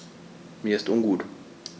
Mir ist ungut.